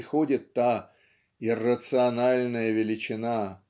приходит та "иррациональная величина"